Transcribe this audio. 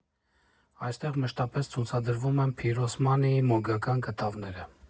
Այստեղ մշտապես ցուցադրվում են Փիրոսմանիի մոգական կտավները։